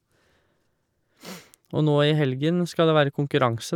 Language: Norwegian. Og nå i helgen skal det være konkurranse.